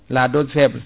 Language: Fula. la dose faible